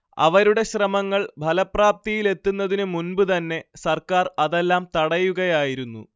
അവരുടെ ശ്രമങ്ങൾ ഫലപ്രാപ്തിയിലെത്തുന്നതിനു മുൻപ് തന്നെ സർക്കാർ അതെല്ലാം തടയുകയായിരുന്നു